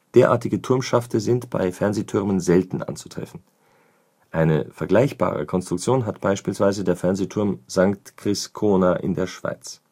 Derartige Turmschafte sind bei Fernsehtürmen selten anzutreffen; eine vergleichbare Konstruktion hat beispielsweise der Fernsehturm St. Chrischona in der Schweiz